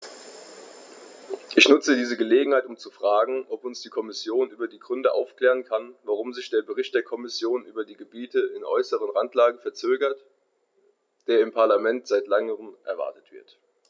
Ich nutze diese Gelegenheit, um zu fragen, ob uns die Kommission über die Gründe aufklären kann, warum sich der Bericht der Kommission über die Gebiete in äußerster Randlage verzögert, der im Parlament seit längerem erwartet wird.